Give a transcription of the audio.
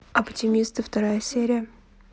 оптимисты вторая серия